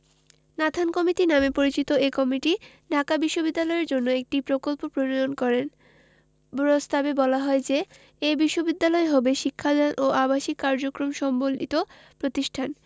Nathan committee নামে পরিচিত এ কমিটি ঢাকা বিশ্ববিদ্যালয়ের জন্য একটি প্রকল্প প্রণয়ন করেন প্রস্তাবে বলা হয় যে এ বিশ্ববিদ্যালয় হবে শিক্ষাদান ও আবাসিক কার্যক্রম সম্বলিত প্রতিষ্ঠান